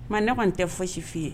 Mɛ ne kɔni n tɛ fɔsi'i ye